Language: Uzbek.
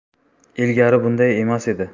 ilgari bunday emas edi